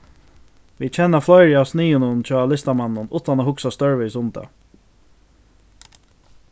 vit kenna fleiri av sniðunum hjá listamanninum uttan at hugsa stórvegis um tað